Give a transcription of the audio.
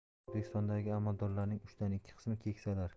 o'zbekistondagi amaldorlarning uchdan ikki qismi keksalar